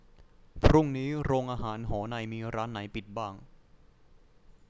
พรุ่งนี้โรงอาหารหอในมีร้านไหนปิดบ้าง